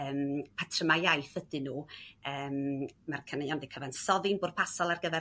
eem patryma' iaith ydyn n'w eem ma'r caneuon di'i cyfansoddi'n bwrpasol ar gyfer